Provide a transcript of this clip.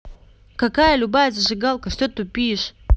какая любая зажигалка что тупишь